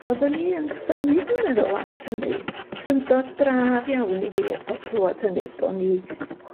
oddwn i yn synnu dwi'n meddwl at hynny, syndod braf iawn i fi o'dd clwad hynny bo' ni